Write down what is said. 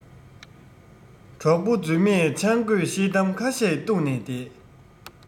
གྲོགས པོ རྫུན མས ཆང རྒོད ཤེལ དམ ཁ ཤས བཏུང ནས བསྡད